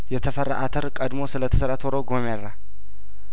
የተፈራ አተር ቀድሞ ስለተዘራ ቶሎ ጐመራ